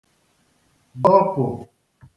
dọpụ̀